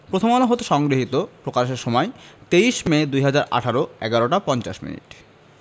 প্রথম আলো হতে সংগৃহীত প্রকাশের সময় ১৩ মে ২০১৮ ১১ টা ৫০ মিনিট